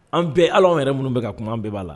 An bɛɛ hali anw yɛrɛ minnu bɛ ka kuma an bɛɛ b'a la